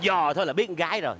dò thôi là biết con gái rồi